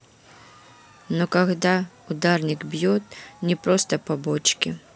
но когда ударник бьет не просто побочки